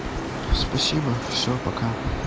спасибо все пока